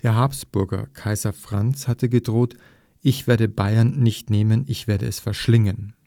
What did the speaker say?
Habsburger Kaiser Franz hatte gedroht: „ Ich werde Bayern nicht nehmen, ich werde es verschlingen